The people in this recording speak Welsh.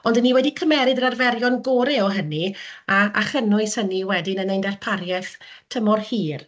ond 'y ni wedi cymeryd yr arferion gorau o hynny a chynnwys hynny wedyn yn ein darpariaeth tymor hir.